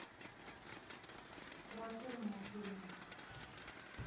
про тюрьму фильмы